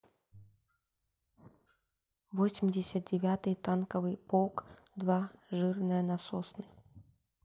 восемьдесят девятый танковый полк два жирная наносный